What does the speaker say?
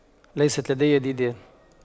ليست لدي ديدان